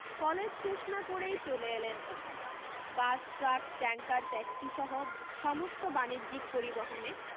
college শেষ না করেই চলে এলেন এখানে বাস ট্রাক ট্যাঙ্কার ট্যাক্সি সহ সমস্ত বানিজ্যিক পরিবহনে